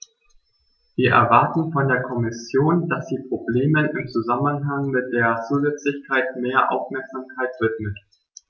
Wir erwarten von der Kommission, dass sie Problemen im Zusammenhang mit der Zusätzlichkeit mehr Aufmerksamkeit widmet.